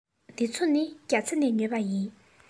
འདི ཚོ ནི རྒྱ ཚ ནས ཉོས པ ཡིན